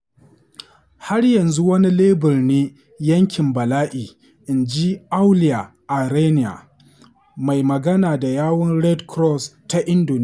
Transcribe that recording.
“Har yanzu wani lebur ne yankin bala’i,” inji Aulia Arriani, mai magana da yawun Red Cross ta Indonesiya.